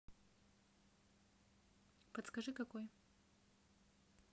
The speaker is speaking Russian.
подскажи какой